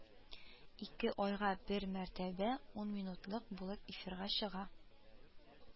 Ике айга бер мәртәбә ун минутлык булып эфирга чыга